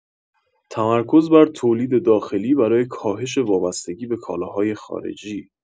تمرکز بر تولید داخلی برای کاهش وابستگی به کالاهای خارجی